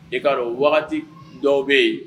E kaa dɔn dɔw bɛ yen